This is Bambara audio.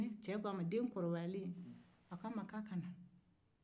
den kɔrɔbayalen cɛ ko k'a ka na